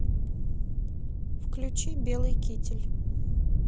включи белый китель